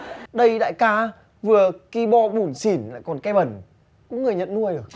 đây đại ca á vừa ki bo bủn xỉn lại còn ke bẩn có người nhận nuôi được